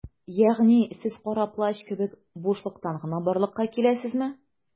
Ягъни сез Кара Плащ кебек - бушлыктан гына барлыкка киләсезме?